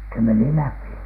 se meni läpi